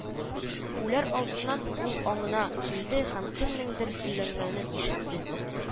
Үләр алдыннан ул аңына килде һәм кемнеңдер сөйләнгәнен ишетте: